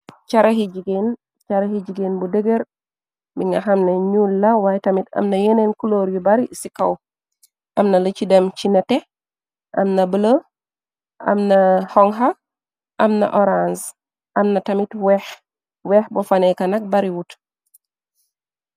Charaxi jigéen bu dëgër bi nga xamna ñul la waaye tamit amna yeneen kuloor yu bari ci kaw amna la ci dem ci nete mna blë amna hongha am na orange amna tamit weex weex bo fane ka nag bari wuut.